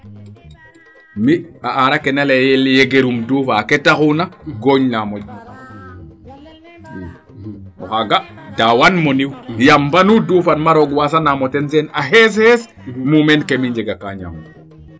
mi a arake na leyel yeger im duufa ke taxuuna gooñ na moƴu o xaaga dawaan mo niw yam mbanu dufa nuuma roog wasanamo ten sene a xees xees mumeen ke mi njega kaa ñaam na